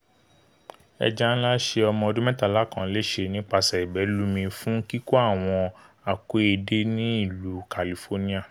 Ẹja ńlá ṣè ọmọ ọdún mẹ́tàla kan léṣe nípaṣẹ̀ ìbẹ̵̵́lumi fún kíkó àwọn ako edé ní ìlú Kalifóníà